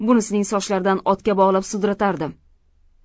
bunisining sochlaridan otga bog'lab sudratardim